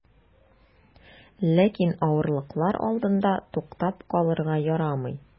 Ләкин авырлыклар алдында туктап калырга ярамый.